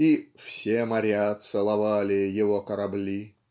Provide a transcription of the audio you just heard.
и "все моря целовали его корабли".